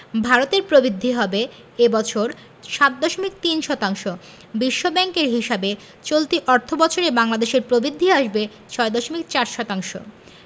ভারতের প্রবৃদ্ধি হবে এ বছর ৭.৩ শতাংশ বিশ্বব্যাংকের হিসাবে চলতি অর্থবছরে বাংলাদেশের প্রবৃদ্ধি আসবে ৬.৪ শতাংশ